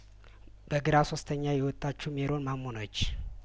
በግራ ሶስተኛ የወጣችው ሜሮን ማሞነች